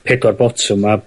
pedwar botwm a